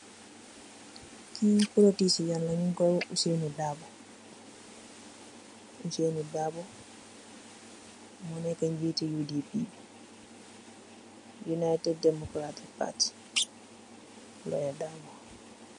Key politician la nyu ko oiyeh Ousainou Darboe mor neka ngeti udp united democratic Party lawyer Darboe.